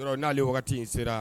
Yɔrɔ n'ale waati in sera